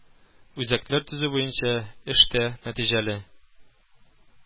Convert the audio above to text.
Үзәкләр төзү буенча эш тә нәтиҗәле